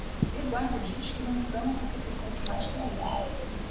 eduardo diz que não reclama porque se sente o mais querido